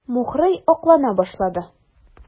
Мухрый аклана башлады.